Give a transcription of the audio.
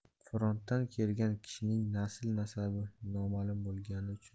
frontdan kelgan kishining nasl nasabi noma'lum bo'lgani uchun